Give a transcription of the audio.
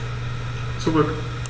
Zurück.